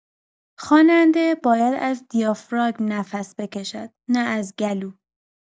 خواننده باید از دیافراگم نفس بکشد، نه از گلو.